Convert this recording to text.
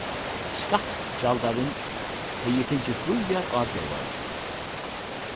skattgjaldarin hevði fingið fríar ágóðar